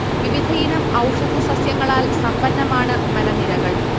വിവിധയിനം ഔഷധ സസ്യങ്ങളാൽ സമ്പന്നമാണ് മലനിരകൾ